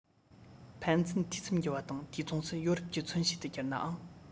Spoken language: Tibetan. ཕན ཚུན འཐུས ཚབ བགྱི བ དང དུས མཚུངས སུ ཡོ རོབ ཀྱི མཚོན བྱེད དུ གྱུར ནའང